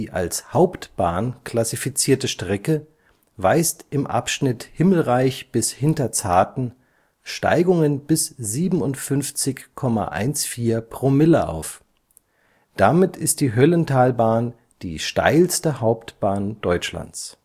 als Hauptbahn klassifizierte Strecke weist im Abschnitt Himmelreich – Hinterzarten Steigungen bis 57,14 ‰ auf. Damit ist die Höllentalbahn die steilste Hauptbahn Deutschlands